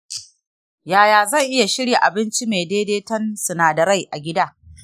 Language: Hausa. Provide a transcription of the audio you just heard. yaya zan iya shirya abinci mai daidaiton sinadarai a gida?